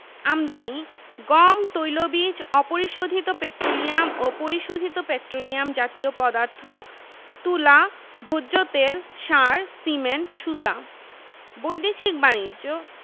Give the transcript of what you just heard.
রপ্তানিঃ তৈরি পোশাক কাঁচা পাট ও পাটজাত পণ্য চা চামড়া ও চামড়াজাত পণ্য চিংড়ি ও অন্যান্য প্রক্রিয়াজাত মাছ নিউজপ্রিন্ট কাগজ হস্তশিল্প